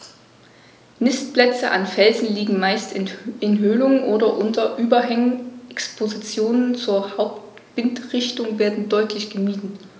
Nistplätze an Felsen liegen meist in Höhlungen oder unter Überhängen, Expositionen zur Hauptwindrichtung werden deutlich gemieden.